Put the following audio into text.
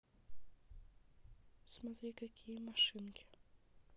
смотри какие машинки